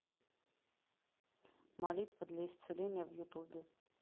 молитва для исцеления в ютубе